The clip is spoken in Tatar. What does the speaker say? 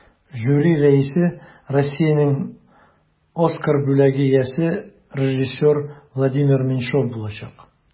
Жюри рәисе Россиянең Оскар бүләге иясе режиссер Владимир Меньшов булачак.